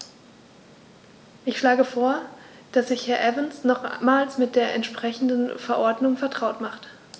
Ich schlage vor, dass sich Herr Evans nochmals mit der entsprechenden Verordnung vertraut macht.